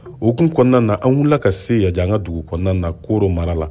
o ko kɔnɔna na an wulila ka se yadianga dugu kɔnɔ na koro mara la